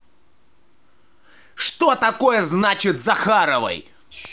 что такое значит захаровой